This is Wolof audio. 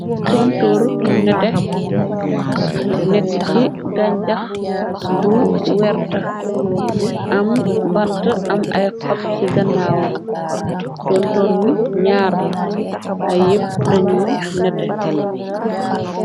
Tontoor mu neteh nekkuh ci ganye chax bu werta am bante am ay xop ci gannaawam. Tontoor bi ñyaar la ay yépp dañu neteh.